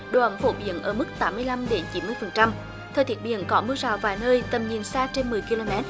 đường phổ biến ở mức tám mươi lăm đến chín mươi phần trăm thời tiết biển có mưa rào vài nơi tầm nhìn xa trên mười ki lô mét